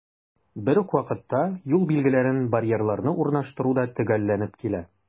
Бер үк вакытта, юл билгеләрен, барьерларны урнаштыру да төгәлләнеп килә.